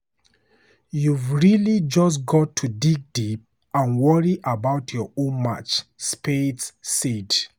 "You've really just got to dig deep and worry about your own match," Spieth said.